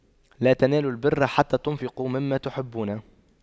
لَن تَنَالُواْ البِرَّ حَتَّى تُنفِقُواْ مِمَّا تُحِبُّونَ